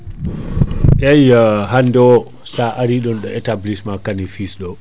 eyyi hande o sa ari ɗon ɗo établissement Kane et fils ɗo